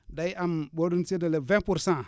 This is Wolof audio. day am boo doon séddale vingt pour cent